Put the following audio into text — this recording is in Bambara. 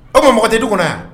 O tuma mɔgɔ tɛ du kɔnɔ yan